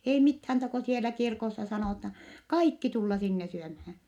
ei mitään - kun siellä kirkossa sanotaan kaikki tulla sinne syömään